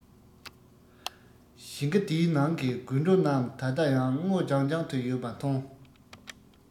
ཞིང ཁ འདིའི ནང གི དགུན གྲོ རྣམས ད ལྟ ཡང སྔོ ལྗང ལྗང དུ ཡོད པ མཐོང